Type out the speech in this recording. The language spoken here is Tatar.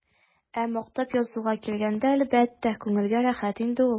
Ә мактап язуга килгәндә, әлбәттә, күңелгә рәхәт инде ул.